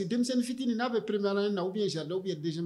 Denmisɛnnin fiinin n'a peremana na u bɛ ye si da dɔw ye de